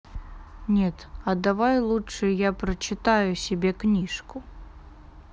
нет а давай лучше я прочитаю себе книжку